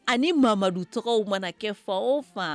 Ani Mamadu tɔgɔw mana kɛ fan o fan